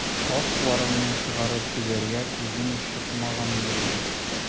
Аш-суларыңны чыгарып түгәргә күзең чыкмагандыр бит.